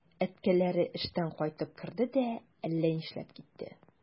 Әткәләре эштән кайтып керде дә әллә нишләп китте.